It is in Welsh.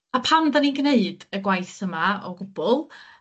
A pam 'dan ni'n gneud y gwaith yma o gwbwl.